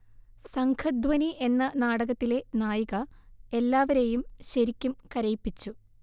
സംഘധ്വനി എന്ന നാടകത്തിലെ നായിക എല്ലാവരെയും ശരിക്കും കരയിപ്പിച്ചു